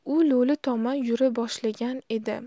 u lo'li tomon yura boshlagan edi